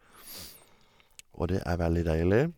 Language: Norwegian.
Og det er veldig deilig.